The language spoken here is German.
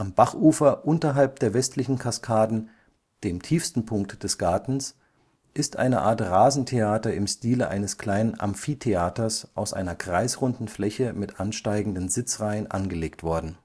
Bachufer unterhalb der westlichen Kaskaden, dem tiefsten Punkt des Gartens, ist eine Art Rasentheater im Stile eines kleinen Amphitheaters aus einer kreisrunden Fläche mit ansteigenden Sitzreihen angelegt worden